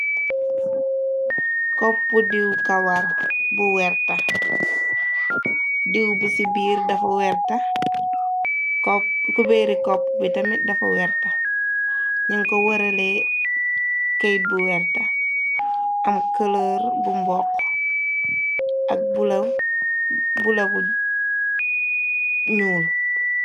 kopp diw kawar bu werta diw bi ci biir dafa wert kubeeri kopp bi tamit dafa werta ñën ko wërale këyt bu werta am këlër bu mbokx ak bula bu ñuul.